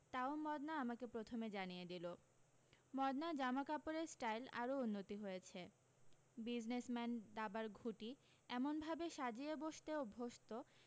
তাও মদনা আমাকে প্রথমে জানিয়ে দিলো মদনার জামা কাপড়ের স্টাইল আরও উন্নতি হয়েছে বিজনেসম্যান দাবার ঘুঁটি এমনভাবে সাজিয়ে বসতে অভ্যস্ত